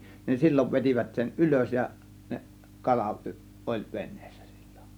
niin silloin vetivät sen ylös ja ne kala oli veneessä silloin